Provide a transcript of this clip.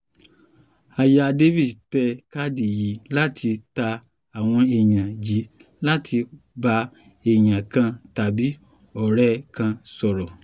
Aya Davis te káàdì yìí láti ta àwọn èèyàn jí láti bá èèyàn kan tàbí ọ̀rẹ́ kan sọ̀rọ̀.”